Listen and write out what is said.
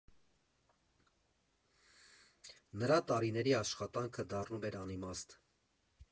Նրա տարիների աշխատանքը դառնում էր անիմաստ։